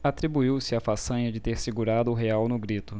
atribuiu-se a façanha de ter segurado o real no grito